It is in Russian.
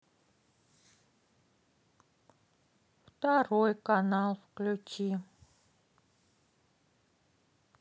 второй канал включи